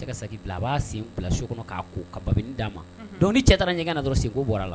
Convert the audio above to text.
Cɛ ka sac bila, a b'a sen bila seau kɔnɔ k'a ko, ka babini d'a ma. Donc ni cɛ taara ɲɛgɛn na dɔrɔn sen ko bɔra la